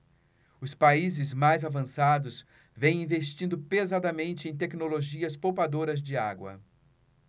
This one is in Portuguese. os países mais avançados vêm investindo pesadamente em tecnologias poupadoras de água